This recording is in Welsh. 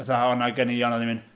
Fatha o' 'na ganeuon, o'n ni'n mynd...